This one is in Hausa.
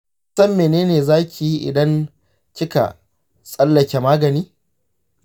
kinsan mene zaki yi idan kika tsallake magani?